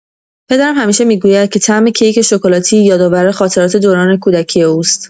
پدرم همیشه می‌گوید که طعم کیک شکلاتی یادآور خاطرات دوران کودکی او است.